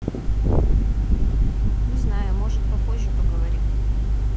не знаю может попозже поговорим